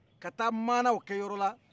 ka taa manaw kɛ yɔrɔla